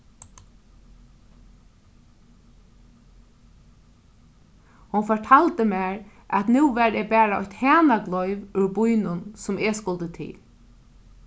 hon fortaldi mær at nú var eg bara eitt hanagleiv úr býnum sum eg skuldi til